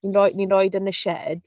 Ni'n rhoi ni'n rhoid e'n y sied.